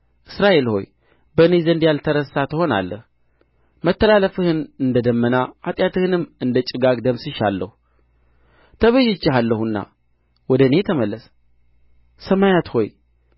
እስራኤል ሆይ በእኔ ዘንድ ያልተረሳ ትሆናለህ መተላለፍህን እንደ ደመና ኃጢአትህንም እንደ ጭጋግ ደምስሼአለሁ ተቤዥቼሃለሁና ወደ እኔ ተመለስ ሰማያት ሆይ